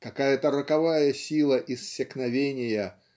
какая-то роковая сила иссякновения